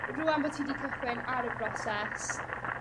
Rŵan bo' ti 'di cychwyn ar y broses